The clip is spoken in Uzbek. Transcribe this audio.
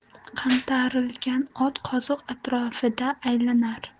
qantarilgan ot qoziq atrofida aylanar